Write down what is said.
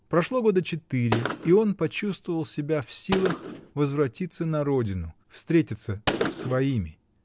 Прошло года четыре, и он почувствовал себя в силах возвратиться на родину, встретиться с своими.